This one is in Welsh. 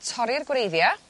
torri'r gwreiddia'